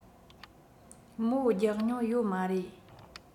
མོ རྒྱག མྱོང ཡོད མ རེད